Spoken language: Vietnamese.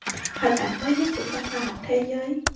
hình ảnh mới nhất của tân hoa hậu thế giới